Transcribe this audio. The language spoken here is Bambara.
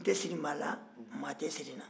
n tɛ siri maa na maa tɛ siri n na